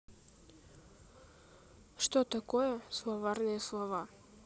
что такое словарные слова